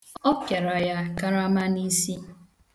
Ọ pịara ya karama n'isi.